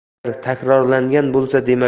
agar takrorlangan bo'lsa